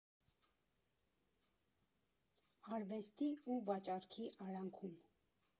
Արվեստի ու վաճառքի արանքում։